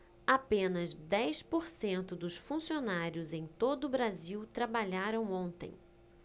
apenas dez por cento dos funcionários em todo brasil trabalharam ontem